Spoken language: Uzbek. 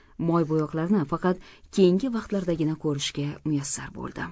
moybo'yoqlarni faqat keyingi vaqtlardagina ko'rishga muyassar bo'ldim